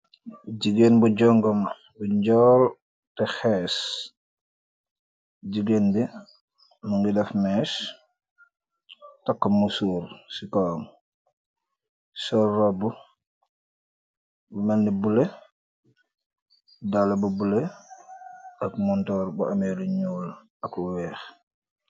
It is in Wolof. jigeen bu jongoma bu njool te xees, jigeen bi mu ngi deff mees takka musuur ci kawam, sol robu melni bullo, dala ba bullo ak montoor bu ameeru ñeew ak lu weex